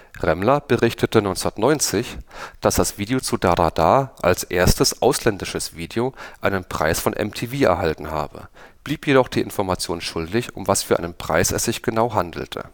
Remmler berichtete 1990, dass das Video zu „ Da da da “als erstes ausländisches Video einen Preis von MTV erhalten habe, blieb jedoch die Information schuldig, um was für einen Preis es sich genau handelte